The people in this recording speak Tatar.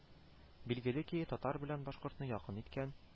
Билгеле ки, татар белән башкортны якын иткән